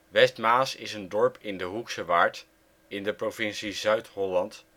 Westmaas is een dorp in de Hoeksche Waard in de provincie Zuid-Holland